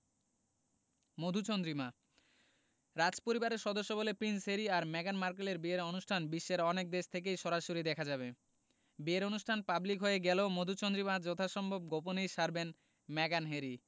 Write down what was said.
মধুচন্দ্রিমা রাজপরিবারের সদস্য বলে প্রিন্স হ্যারি আর মেগান মার্কেলের বিয়ের অনুষ্ঠান বিশ্বের অনেক দেশ থেকেই সরাসরি দেখা যাবে বিয়ের অনুষ্ঠান পাবলিক হয়ে গেলেও মধুচন্দ্রিমা যথাসম্ভব গোপনেই সারবেন মেগান হ্যারি